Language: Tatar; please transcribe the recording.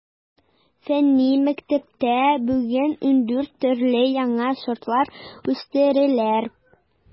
Фәнни мәктәптә бүген ундүрт төрле яңа сортлар үстерәләр.